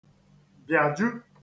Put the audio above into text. bị̀àju